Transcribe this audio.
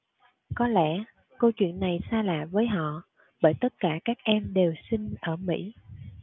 có lẽ câu chuyện này xa lạ với họ bởi tất cả các em đều sinh ở mỹ